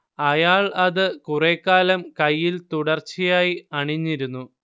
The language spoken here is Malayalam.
അയാൾ അത് കുറേക്കാലം കൈയ്യിൽ തുടർച്ചയായി അണിഞ്ഞിരുന്നു